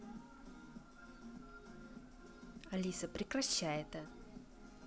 алиса прекращай это